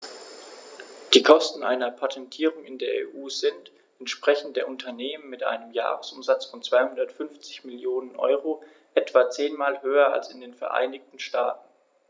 Die Kosten einer Patentierung in der EU sind, entsprechend der Unternehmen mit einem Jahresumsatz von 250 Mio. EUR, etwa zehnmal höher als in den Vereinigten Staaten.